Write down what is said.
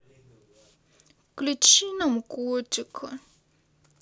включи нам котика